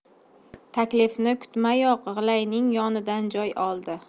taklifni kutmayoq g'ilayning yonidan joy oldi